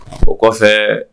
O kɔfɛ